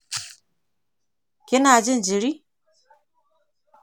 kina jin jiri